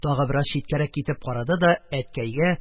Тагы бераз читкәрәк китеп карады да әткәйгә: